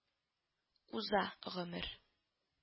Уза гомер